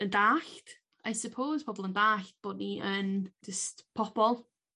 yn dallt I suppose pobol yn ddall bo' ni yn jyst pobol